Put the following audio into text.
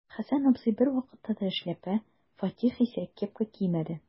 Хәсән абзый бервакытта да эшләпә, Фатих исә кепка кимәде.